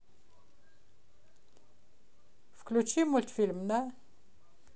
включи мультфильм на